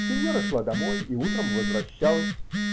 Синьора шла домой и утром возвращалась.